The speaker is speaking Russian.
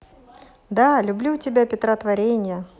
да люблю тебя петра творенье